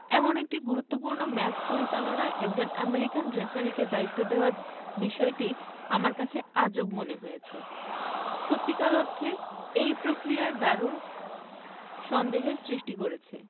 এমন একটি গুরুত্বপূর্ণ ম্যাচ পরিচালনায় একজন আমেরিকান রেফারিকে দায়িত্ব দেয়ার বিষয়টি আমার কাছে আজব মনে হয়েছে সত্যিকার অর্থে এই প্রক্রিয়ায় দারুণ সন্দেহের সৃষ্টি করেছে